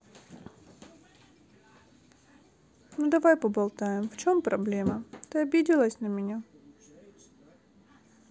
ну давай поболтаем в чем проблема ты обиделась на меня